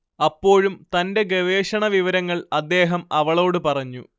അപ്പോഴും തന്റെ ഗവേഷണവിവരങ്ങൾ അദ്ദേഹം അവളോട് പറഞ്ഞു